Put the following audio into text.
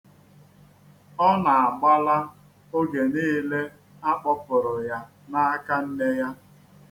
Ọ na-agbala oge niile a kpọpụrụ ya n'aka nne ya.